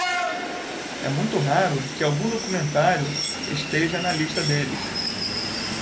é muito raro que algum documentário esteja na lista deles